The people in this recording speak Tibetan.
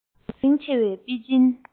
ཟང ཟིང ཆེ བའི པེ ཅིན